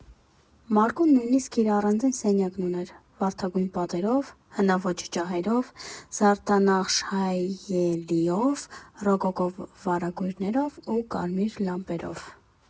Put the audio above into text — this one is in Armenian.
Մարգոն նույնիսկ իր առանձին սենյակն ուներ՝ վարդագույն պատերով, հնաոճ ջահերով, զարդանախշ հայելիով, ռոկոկո վարագույրներով ու կարմիր լամպերով։